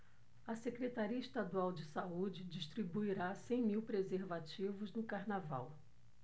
a secretaria estadual de saúde distribuirá cem mil preservativos no carnaval